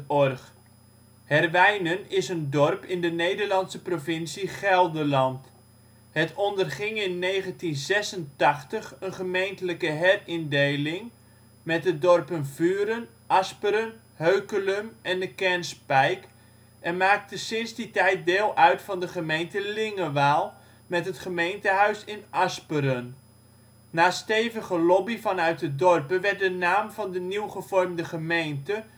OL Herwijnen Plaats in Nederland Situering Provincie Gelderland Gemeente Lingewaal Coördinaten 51° 50′ NB, 5° 8′ OL Algemeen Inwoners (2006) 2500 Portaal Nederland Beluister (info) Boveneind in Herwijnen. Herwijnen is een dorp in de Nederlandse provincie Gelderland. Het onderging in 1986 een gemeentelijke herindeling met de dorpen Vuren, Asperen, Heukelum en de kern Spijk en maakte sinds die tijd deel uit van de gemeente Lingewaal met het gemeentehuis in Asperen. Na stevige lobby vanuit de dorpen werd de naam van de nieuw gevormde gemeente